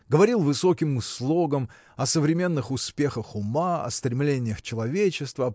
говорил высоким слогом о современных успехах ума о стремлениях человечества.